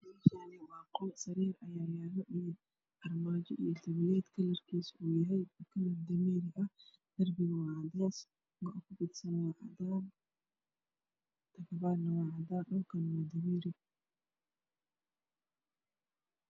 Meeshaani waa qol sariir ayaa yaalo armaajo kalarkisa yahay dameeri darbiga waa cadays go ku fidsan waa cadaan kataban wa cadaan dhulka waa dameeri